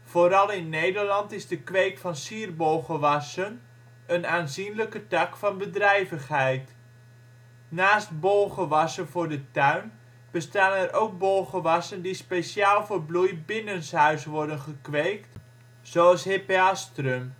Vooral in Nederland is de kweek van sierbolgewassen een aanzienlijke tak van bedrijvigheid. Naast bolgewassen voor de tuin bestaan er ook bolgewassen die speciaal voor bloei binnenshuis worden gekweekt, zoals Hippeastrum